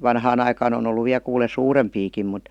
vanhaan aikaan on ollut vielä kuule suurempiakin mutta